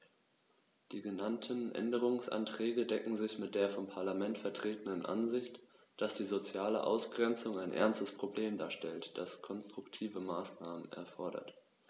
Die genannten Änderungsanträge decken sich mit der vom Parlament vertretenen Ansicht, dass die soziale Ausgrenzung ein ernstes Problem darstellt, das konstruktive Maßnahmen erfordert.